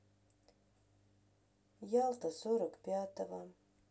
ялта сорок пятого